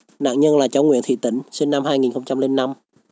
nạn nhân là cháu nguyễn thị tỉnh sinh năm hai nghìn không trăm linh năm